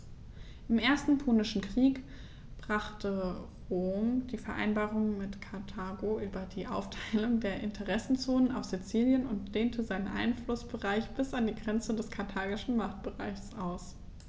Im Ersten Punischen Krieg brach Rom die Vereinbarung mit Karthago über die Aufteilung der Interessenzonen auf Sizilien und dehnte seinen Einflussbereich bis an die Grenze des karthagischen Machtbereichs aus.